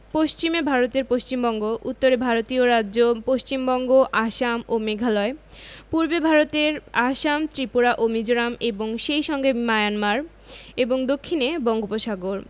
পশ্চিমে ভারতের পশ্চিমবঙ্গ উত্তরে ভারতীয় রাজ্য পশ্চিমবঙ্গ আসাম ও মেঘালয় পূর্বে ভারতের আসাম ত্রিপুরা ও মিজোরাম এবং সেই সঙ্গে মায়ানমার এবং দক্ষিণে বঙ্গোপসাগর